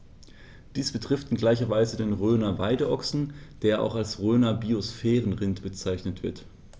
Dies betrifft in gleicher Weise den Rhöner Weideochsen, der auch als Rhöner Biosphärenrind bezeichnet wird.